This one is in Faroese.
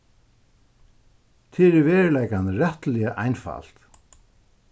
tað er í veruleikanum rættiliga einfalt